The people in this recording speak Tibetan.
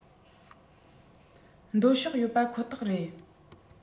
འདོད ཕྱོགས ཡོད པ ཁོ ཐག རེད